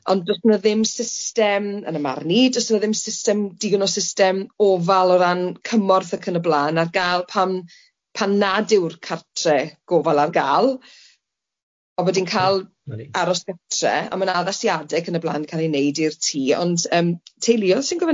ond do's 'ne ddim system, yn 'y marn i, do's 'ne ddim system digon o system ofal o ran cymorth ac yn y blan ar ga'l pan pan nad yw'r cartre gofal ar ga'l a bod ni'n cael aros gytre a ma' 'na addasiade ac yn y blan yn ca'l ei neud i'r tŷ ond yym teuluoedd sy'n gorod neud e nawr yndyfe?